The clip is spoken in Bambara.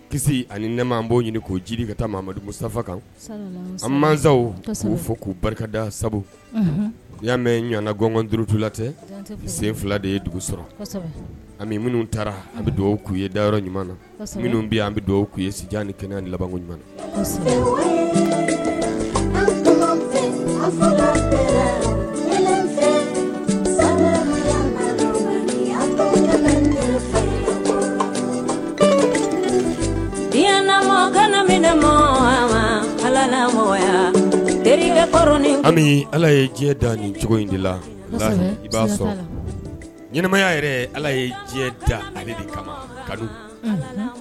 Kisi ani nɛma b'o ɲini k' jiri ka taamadu sanfɛ kan an masaw k fɔ k'u barikada sabu i y'a mɛn ɲana ganɔn duurutu latɛ sen fila de ye dugu sɔrɔ ami minnu taara bɛ dugawu k'u ye da yɔrɔ ɲuman na minnu bɛ an bɛu ye si ni kɛnɛani laban ɲuman na sama ɲminaya ami ala ye da ni cogo in de la i ba sɔrɔ ɲɛnaɛnɛmaya yɛrɛ ala ye da ale de kan ka